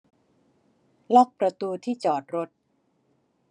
ล็อกประตูที่จอดรถ